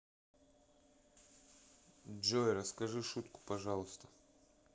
джой расскажи шутку пожалуйста